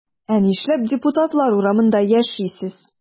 Ә нишләп депутатлар урамында яшисез?